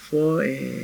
Fɔ ɛɛ